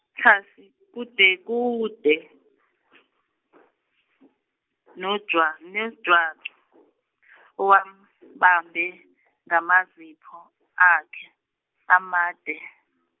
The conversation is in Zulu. thasi kudekude , nojwa- nojwa- , owambambe ngamazipho, akhe, amade.